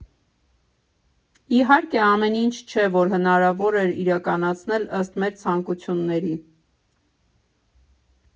Իհարկե, ամեն ինչ չէ, որ հնարավոր էր իրականացնել ըստ մեր ցանկությունների։